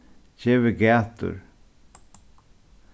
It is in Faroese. gevið gætur